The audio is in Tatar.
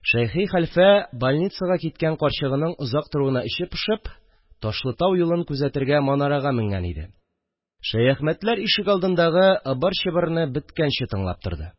Шәйхи хәлфә, больницага киткән карчыгының озак торуына эче пошып, Ташлытау юлын күзәтергә манарага менгән иде, Шәяхмәтләр ишегалдындагы ыбыр-чыбырны беткәнче тыңлап торды